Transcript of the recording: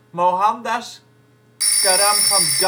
Mohandas Karamchand